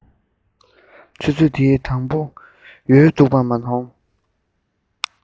ཆུ ཚོད དེ དང པོ ཡོལ འདུག པ མཐོང